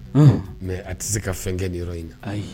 Mɛ a tɛ se ka fɛn kɛ nin yɔrɔ in na